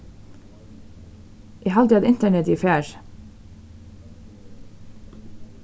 eg haldi at internetið er farið